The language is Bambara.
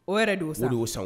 O yɛrɛ de o san o de o san